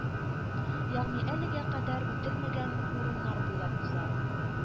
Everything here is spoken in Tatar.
Ягъни әлегә кадәр үтелмәгән урыннар буйлап уза.